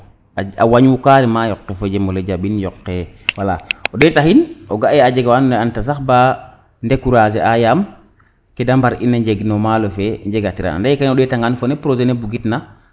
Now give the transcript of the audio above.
a wañu carrement yoqe fojemole jambin yoqe wala o ndetaxin o ga e a jega wa ando naye a ndeta sax ba decourager a yam kede mbar ina njeg no maalo fe njega tiran ande kene o ndeta ngan fo ne projet ne bugit na